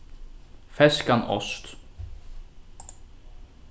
feskan ost